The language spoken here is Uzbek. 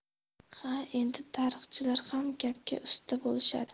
ha endi tarixchilar ham gapga usta bo'lishadi